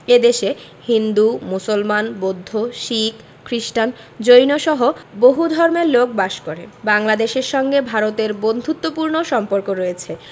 এ দেশে হিন্দু মুসলমান বৌদ্ধ শিখ খ্রিস্টান জৈনসহ বহু ধর্মের লোক বাস করে বাংলাদেশের সঙ্গে ভারতের বন্ধুত্তপূর্ণ সম্পর্ক রয়ছে